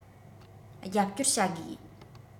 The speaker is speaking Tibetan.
རྒྱབ སྐྱོར བྱ དགོས